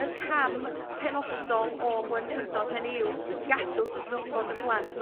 yr cam penodol o blentyndod hynny yw gadwch nw fod yn blant.